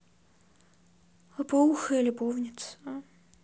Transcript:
лопоухая любовница